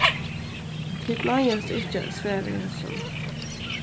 tit noyðast ikki at svara hesum